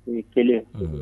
O ye kelen ye, unhun